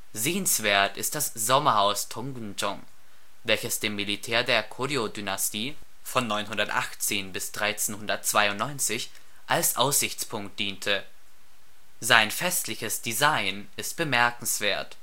Sehenswert ist das Sommerhaus Tonggunjeong, welches dem Militär der Goryeo-Dynastie (918 – 1392) als Aussichtspunkt diente. Sein festliches Design ist bemerkenswert